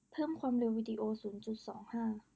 เพิ่มความเร็ววีดีโอศูนย์จุดสองห้า